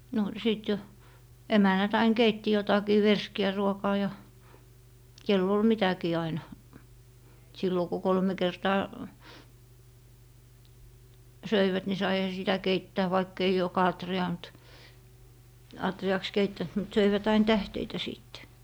no sitten jo emännät aina keitti jotakin verskiä ruokaa ja kenellä oli mitäkin aina silloin kun kolme kertaa söivät niin saihan sitä keittää vaikka ei joka atriaan mutta atriaksi keittänyt mutta söivät aina tähteitä sitten